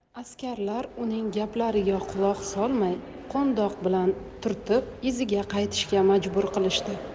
askarlar uning gaplariga quloq solmay qo'ndoq bilan turtib iziga qaytishga majbur qilishdi